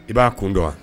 I b'a ko dɔn wa